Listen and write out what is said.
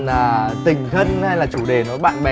là tình thân hay là chủ đề nối bạn bè